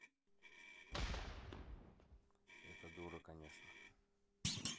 эта дура конечно